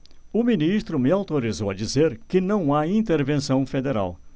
o ministro me autorizou a dizer que não há intervenção federal